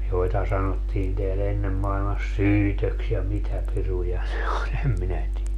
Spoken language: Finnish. joita sanottiin täällä ennen maailmassa syytöksi ja mitä piruja ne oli en minä tiedä